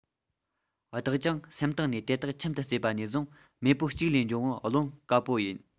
བདག ཀྱང སེམས གཏིང ནས དེ དག ཁྱིམ དུ གསོས པ ནས བཟུང མེས པོ གཅིག ལས འབྱུང བར རློམ དཀའ པོ ཡིན